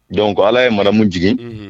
Donc Ala ye madame jigin, unhun,